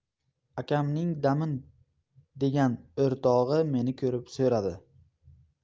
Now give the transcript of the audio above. akamning damin degan o'rtog'i meni ko'rib so'radi